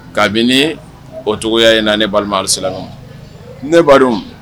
Kabini o cogoya in na ne ba siranla ne ba